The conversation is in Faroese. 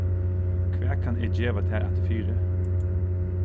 hvat kann eg geva tær afturfyri